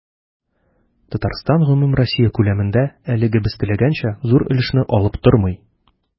Татарстан гомумроссия күләмендә, әлегә без теләгәнчә, зур өлешне алып тормый.